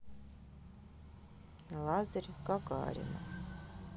лазарев гагарина